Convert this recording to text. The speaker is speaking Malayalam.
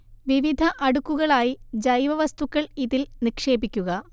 വിവിധ അടുക്കുകളായി ജൈവവസ്തുക്കൾ ഇതിൽ നിക്ഷേപിക്കുക